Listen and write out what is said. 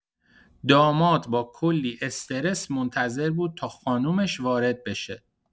داماد با کلی استرس منتظر بود تا خانومش وارد بشه.